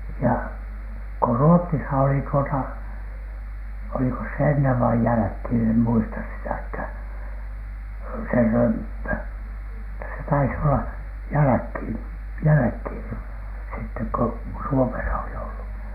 ja kun Ruotsissa oli tuota olikos se ennen vai jälkeen en muista sitäkään se römppö mutta se taisi olla jälkeen jälkeen sitten kun Suomessa oli ollut